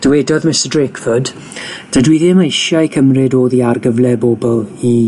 Dywedodd Mr Drakeford: Dydw i ddim eisiau cymryd oddi ar gyfle i bobol i